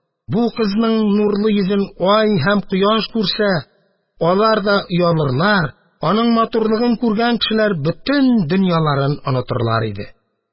Бу кызның нурлы йөзен ай һәм кояш күрсә, алар да оялырлар, аның матурлыгын күргән кешеләр бөтен дөньяларын онытырлар иде.